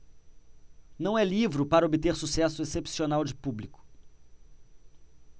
não é livro para obter sucesso excepcional de público